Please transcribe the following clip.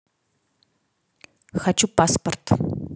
хочу паспорт